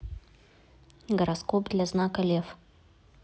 гороскоп для знака лев